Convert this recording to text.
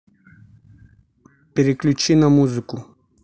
переключи на музыку